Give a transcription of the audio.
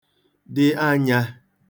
dị anyā